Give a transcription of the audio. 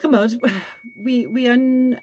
ch'mod wi wi yn